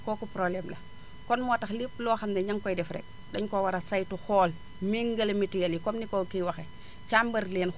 kooku problème la kon moo tax it lépp loo xam ne ña nga koy def rek dañu koo war a saytu xool mñgale mutuelle yi comme ni ko kii waxee càmbar leen